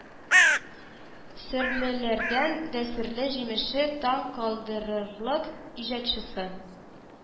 Серлеләрдән дә серле җимеше, таң калдырырлык иҗатчысы,